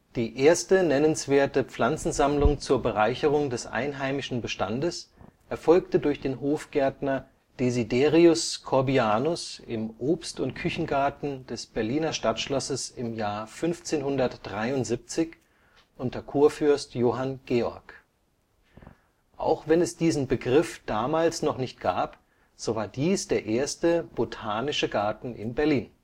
Die erste nennenswerte Pflanzensammlung zur Bereicherung des einheimischen Bestandes erfolgte durch den Hofgärtner Desiderius Corbianus im Obst - und Küchengarten des Berliner Stadtschlosses im Jahr 1573 unter Kurfürst Johann Georg. Auch wenn es diesen Begriff damals noch nicht gab, so war dies der erste „ Botanische Garten “in Berlin